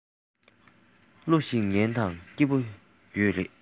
གླུ ཞིག ཉན དང སྐྱིད པོ ཡོད རེད